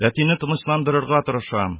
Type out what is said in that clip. Әтине тынычландырырга тырышам.